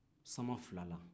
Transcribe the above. samafilala